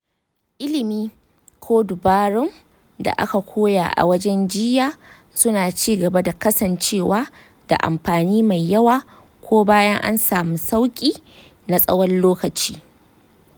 ilimi ko dabarun da aka koya a wajen jiyya suna ci gaba da kasancewa da amfani mai yawa ko bayan an sami sauƙi na tsawon lokaci.